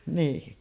niin